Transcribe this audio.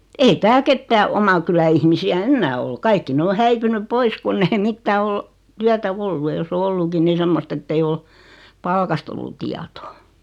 ei täällä ketään oman kylän ihmisiä enää ole kaikki ne on häipynyt pois kun ei mitään ole työtä ollut ja jos on ollutkin niin semmoista että ei ole palkasta ollut tietoa